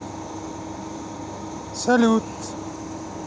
салют